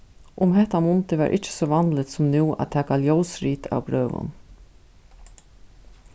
um hetta mundið var ikki so vanligt sum nú at taka ljósrit av brøvum